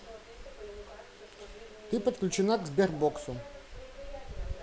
ты подключена к сбербоксу